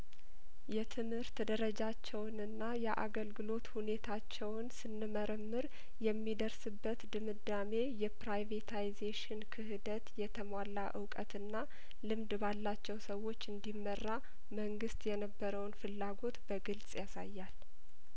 የትምህርት ደረጃቸውንና የአገልግሎት ሁኔታቸውን ስንመረምር የሚደርስ በት ድምዳሜ የፕራይቬታይዜሽን ክህደት የተሟላ እውቀትና ልምድ ባላቸው ሰዎች እንዲመራ መንግስት የነበረውን ፍላጐት በግልጽ ያሳያል